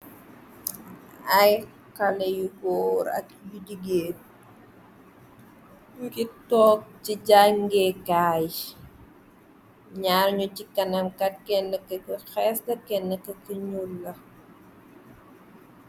Ay xalé yu góor ak yu jigéen, nyu ngi toog ci jangée kaay. Nñaar ñu ci kanam kat kenn ki ku xees la, kenn ki ku nul la.